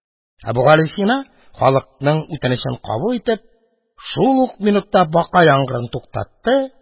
Әбүгалисина, халыкның үтенечен кабул итеп, шул ук минутта бака яңгырын туктатты.